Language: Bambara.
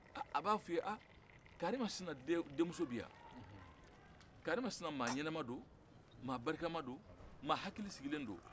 aaa a b'a f'i ye aaa karimasina den-denmuso bɛ yan karimasina maaɲɛnɛma do maabarikama do mɔgɔ hakalisigilen do